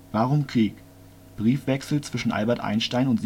Warum Krieg? Briefwechsel zwischen Albert Einstein